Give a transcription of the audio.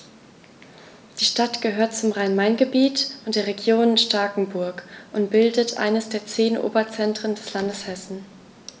Die Stadt gehört zum Rhein-Main-Gebiet und der Region Starkenburg und bildet eines der zehn Oberzentren des Landes Hessen.